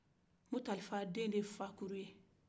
muntalifa den de ye fakori ye